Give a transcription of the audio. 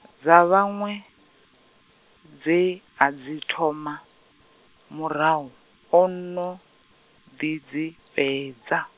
dza vhaṅwe, dze a dzi thoma, murahu, ono ḓi dzi fhedza.